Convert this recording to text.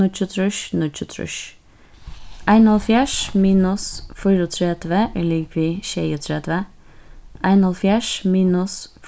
níggjuogtrýss níggjuogtrýss einoghálvfjerðs minus fýraogtretivu er ligvið sjeyogtretivu einoghálvfjerðs minus